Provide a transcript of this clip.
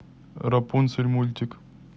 рапунцель мультик